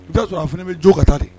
I y'a sɔrɔ a fini bɛ jo ka taa de